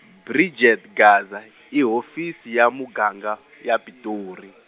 Bridget Gasa, i hofisi ya muganga, ya Pitori.